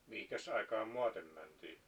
mihinkäs aikaan maate mentiin